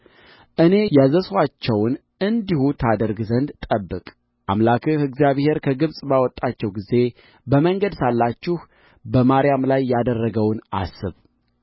እኔ ያዘዝኋቸውን እንዲሁ ታደርግ ዘንድ ጠብቅ አምላክህ እግዚአብሔር ከግብፅ በወጣችሁ ጊዜ በመንገድ ሳላችሁ በማርያም ላይ ያደረገውን አስብ